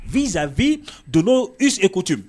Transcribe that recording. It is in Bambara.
Viz v donna eseeku ten